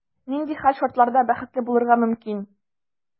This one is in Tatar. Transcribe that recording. Нинди хәл-шартларда бәхетле булырга мөмкин?